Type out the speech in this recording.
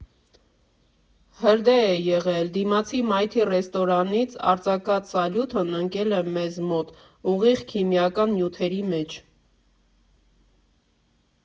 Հրդեհ է եղել։ Դիմացի մայթի ռեստորանից արձակած սալյուտն ընկել է մեզ մոտ՝ ուղիղ քիմիական նյութերի մեջ։